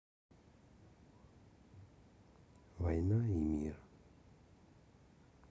война и мир